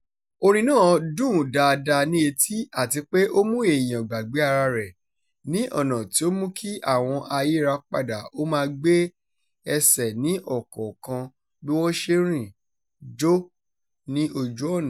Orin náà dún dáadáa ní etí àti pé ó mú èèyàn gbàgbé ara rẹ̀, ní ọ̀nà tí ó ń mú kí àwọn ayírapadà ó máa gbé ẹsẹ̀ ní ọ̀kọ̀ọ̀kan bí wọ́n ṣe ń rìn/jó ní ojú ọ̀nà.